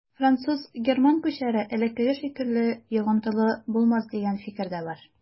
Француз-герман күчәре элеккеге шикелле йогынтылы булмас дигән фикер дә бар.